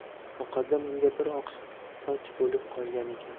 muqaddam unga bir oqsoch bo'lib qolgan ekan